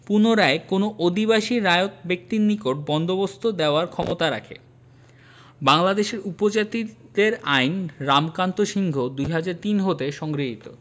পুনরায় কোনও অদিবাসী রায়ত ব্যক্তির নিকট বন্দোবস্ত দেয়ার ক্ষমতারাখে বাংলাদেশের উপজাতিদের আইন রামকান্ত সিংহ ২০০৩ হতে সংগৃহীত